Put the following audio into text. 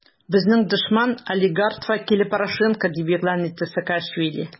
Безнең дошман - олигархат вәкиле Порошенко, - дип игълан итте Саакашвили.